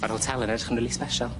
Ma'r hotel yn edrych yn rili sbesial.